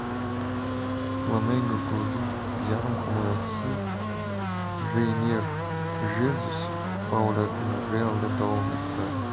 flamengo klubi yarim himoyachisi reynier jezus faoliyatini real da davom ettiradi